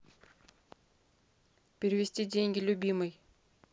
перевести деньги любимой